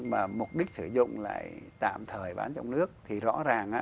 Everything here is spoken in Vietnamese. nhưng mà mục đích sử dụng lại tạm thời bán trong nước thì rõ ràng á